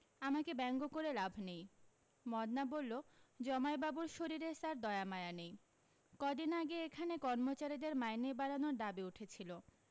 আমাকে ব্যঙ্গ করে লাভ নেই মদনা বললো জমাইবাবুর শরীরে স্যার দয়ামায়া নেই কদিন আগে এখানে কর্মচারীদের মাইনে বাড়ানোর দাবি উঠেছিল